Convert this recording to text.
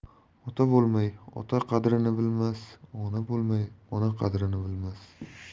ota bo'lmay ota qadrini bilmas ona bo'lmay ona qadrini bilmas